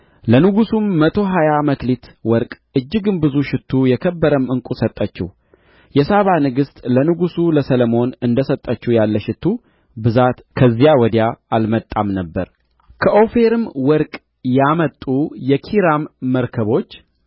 ለንጉሡም መቶ ሀያ መክሊት ወርቅ እጅግም ብዙ ሽቱ የከበረም ዕንቍ ሰጠችው የሳባ ንግሥት ለንጉሡ ለሰሎሞን እንደ ሰጠችው ያለ የሽቱ ብዛት ከዚያ ወዲያ አልመጣም ነበር ከኦፊርም ወርቅ ያመጡ የኪራም መርከቦች